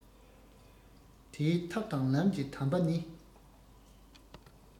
དེའི ཐབས དང ལམ གྱི དམ པ ནི